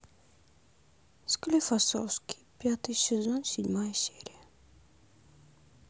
склифосовский пятый сезон седьмая серия